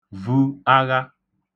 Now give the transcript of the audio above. vu agha